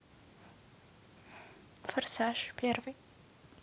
форсаж первый